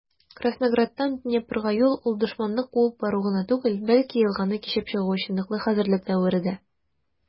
Краснограддан Днепрга юл - ул дошманны куып бару гына түгел, бәлки елганы кичеп чыгу өчен ныклы хәзерлек дәвере дә.